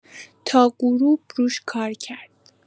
تا غروب روش کار کرد.